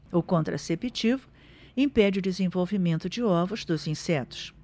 o contraceptivo impede o desenvolvimento de ovos dos insetos